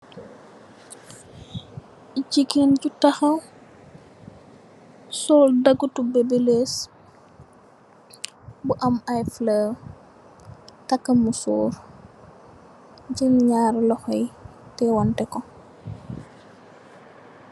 Jigeen ju taxaw sol dagitu babyless mu am ay fulor takka mesor jél ñaari loxo yi teyen tè ko.